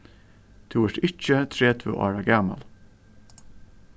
tú ert ikki tretivu ára gamal